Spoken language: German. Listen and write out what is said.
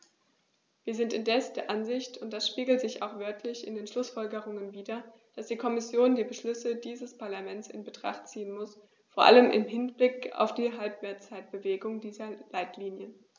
Wir sind indes der Ansicht und das spiegelt sich auch wörtlich in den Schlussfolgerungen wider, dass die Kommission die Beschlüsse dieses Parlaments in Betracht ziehen muss, vor allem im Hinblick auf die Halbzeitbewertung dieser Leitlinien.